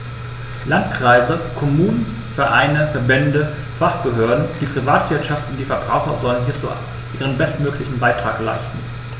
Landkreise, Kommunen, Vereine, Verbände, Fachbehörden, die Privatwirtschaft und die Verbraucher sollen hierzu ihren bestmöglichen Beitrag leisten.